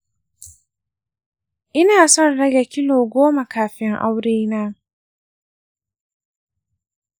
ina son rage kilo goma kafin aurena.